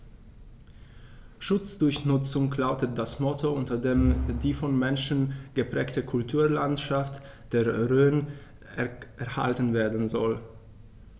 „Schutz durch Nutzung“ lautet das Motto, unter dem die vom Menschen geprägte Kulturlandschaft der Rhön erhalten werden soll.